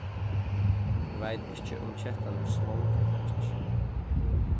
eg veit ikki um kettan er svong ella ikki